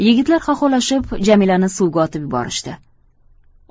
yigitlar xoxolashib jamilani suvga otib yuborishdi